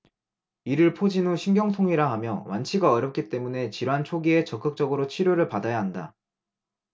이를 포진 후 신경통이라 하며 완치가 어렵기 때문에 질환 초기에 적극적으로 치료를 받아야 한다